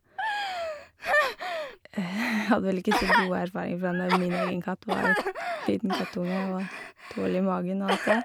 Hadde vel ikke så gode erfaring fra når min egen katt var liten kattunge og dårlig i magen og alt det.